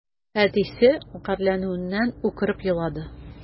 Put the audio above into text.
Әтисе гарьләнүеннән үкереп елады.